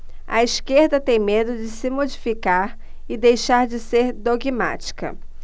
a esquerda tem medo de se modificar e deixar de ser dogmática